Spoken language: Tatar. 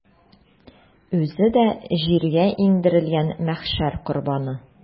Үзе дә җиргә иңдерелгән мәхшәр корбаны.